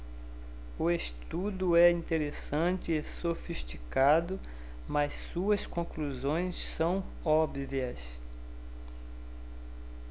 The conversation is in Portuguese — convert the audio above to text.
o estudo é interessante e sofisticado mas suas conclusões são óbvias